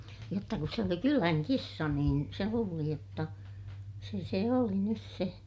jotta kun se oli kylän kissa niin se luuli jotta se se oli nyt se